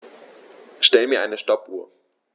Stell mir eine Stoppuhr.